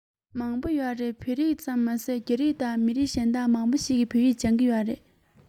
མང པོ ཡོད རེད བོད རིགས ཙམ མ ཟད རྒྱ རིགས དང མི རིགས གཞན དག མང པོ ཞིག གིས བོད ཡིག སྦྱོང གི ཡོད རེད